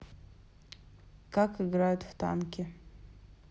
как играют в танки